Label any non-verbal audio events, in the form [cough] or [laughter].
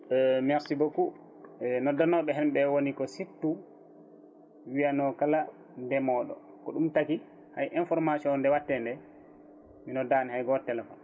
[hesitation] merci beaucoup noddannoɓe hen ɓe woni ko surtout wiyano kala ndemoɗo ko ɗum taaki ay information nde watte nde mi noddani hay goto téléphone